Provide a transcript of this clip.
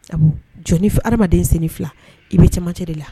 Abɔn jɔnni fo. Adamaden sen fila i bɛ cɛmancɛ de la